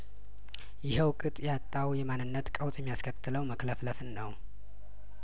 ይኸው ቅጥ ያጣው የማንነት ቀውስ የሚያስ ከትለው መክለፍለፍን ነው